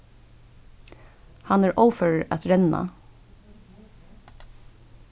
hann er óførur at renna